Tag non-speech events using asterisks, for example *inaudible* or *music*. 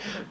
*hesitation* *hesitation*